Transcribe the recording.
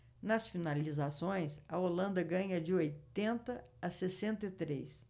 nas finalizações a holanda ganha de oitenta a sessenta e três